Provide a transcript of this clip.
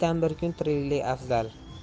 bir kun tiriklik afzal